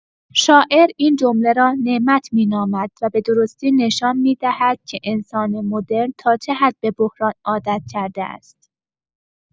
شاعر این جمله را «نعمت» می‌نامد و به‌درستی نشان می‌دهد که انسان مدرن تا چه حد به بحران عادت کرده است.